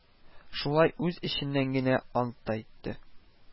Шулай үз эченнән генә ант та итте